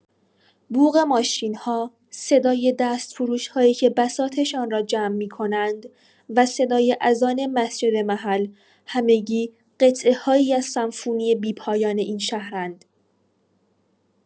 بوق ماشین‌ها، صدای دستفروش‌هایی که بساطشان را جمع می‌کنند، و صدای اذان مسجد محل، همگی قطعه‌هایی از سمفونی بی‌پایان این شهرند.